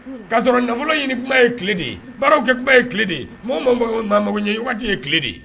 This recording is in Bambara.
Ka sɔrɔ nafolo ɲini kuma ye kile de ye. Baaraw kɛ kuma ye kile de ye. Mɔgɔw magoɲɛ waati ye kile de ye.